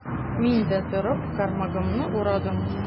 Мин дә, торып, кармагымны урадым.